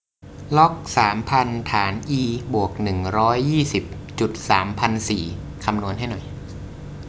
ล็อกสามพันฐานอีบวกหนึ่งร้อยยี่สิบจุดสามพันสี่คำนวณให้หน่อย